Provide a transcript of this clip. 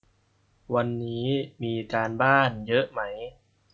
วันนี้มีการบ้านเยอะไหม